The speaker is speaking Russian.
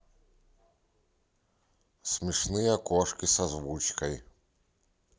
смешные кошки с озвучкой